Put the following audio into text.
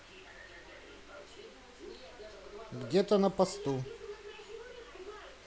где то на посту